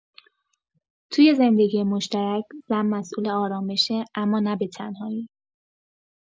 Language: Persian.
توی زندگی مشترک، زن مسئول آرامشه، اما نه به‌تنهایی.